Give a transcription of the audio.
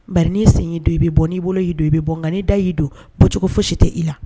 Bariin sen y'i don i bɛ bɔ n'i bolo'i don i bɛ bɔ ŋi da y'i don pcogo fosi tɛ' la